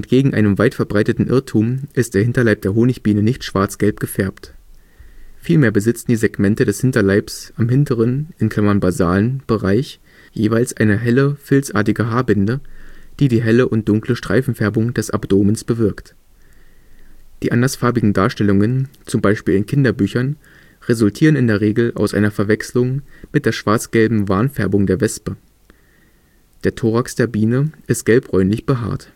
einem weit verbreiteten Irrtum ist der Hinterleib der Honigbiene nicht schwarz-gelb gefärbt. Vielmehr besitzen die Segmente des Hinterleibs am hinteren (basalen) Bereich jeweils eine helle, filzartige Haarbinde, die die helle und dunkle Streifenfärbung des Abdomens bewirkt. Die andersfarbigen Darstellungen z. B. in Kinderbüchern resultieren in der Regel aus einer Verwechslung mit der schwarz-gelben Warnfärbung der Wespe. Der Thorax der Tiere ist gelbbräunlich behaart